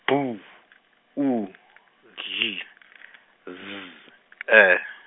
B , U, D, Z, E.